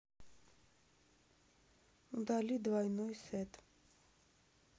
удали двойной сет